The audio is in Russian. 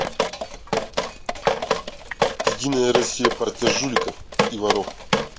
единая россия партия жуликов и воров